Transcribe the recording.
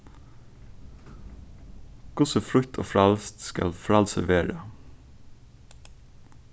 og hvussu frítt og frælst skal frælsið vera